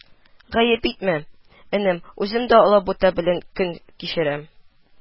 Гаеп итмә, энем үзем дә алабута белән көн кичерәм